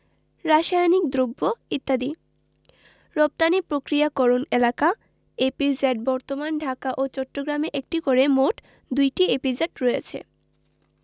রাসায়নিক দ্রব্য ইত্যাদি রপ্তানি প্রক্রিয়াকরণ এলাকাঃ ইপিজেড বর্তমানে ঢাকা ও চট্টগ্রামে একটি করে মোট ২টি ইপিজেড রয়েছে